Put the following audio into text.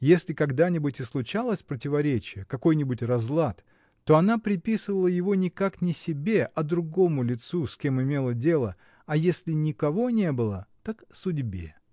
Если когда-нибудь и случалось противоречие, какой-нибудь разлад, то она приписывала его никак не себе, а другому лицу, с кем имела дело, а если никого не было, так судьбе.